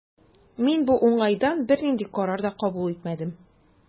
Мин бу уңайдан бернинди карар да кабул итмәдем.